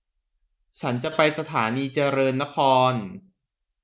ฉันจะไปสถานีเจริญนคร